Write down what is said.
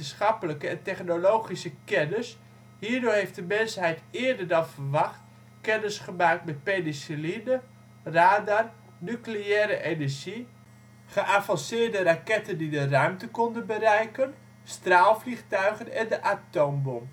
technologische kennis. Hierdoor heeft de mensheid eerder dan verwacht kennis gemaakt met penicilline, radar, nucleaire energie, geavanceerde raketten die de ruimte konden bereiken, straalvliegtuigen en de atoombom